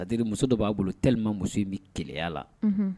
Diri muso dɔ b'a bolo tlima muso in bɛ kɛlɛya la